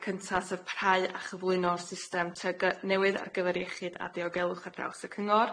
Y cynta sef prhau a chyflwyno'r system ty gy- newydd ar gyfer iechyd a diogelwch ar draws y cyngor.